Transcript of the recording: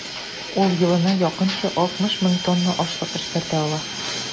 Ул елына якынча 60 мең тонна ашлык эшкәртә ала.